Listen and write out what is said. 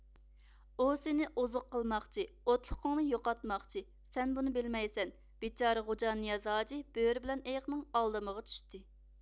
ئۇ سېنى ئوزۇق قىلماقچى ئوتلۇقۇڭنى يوقاتماقچى سەن بۇنى بىلمەيسەن بىچارە غوجانىياز ھاجى بۆرە بىلەن ئېيىقنىڭ ئالدىمىغا چۈشتى